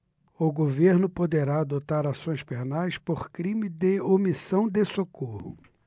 o governo poderá adotar ações penais por crime de omissão de socorro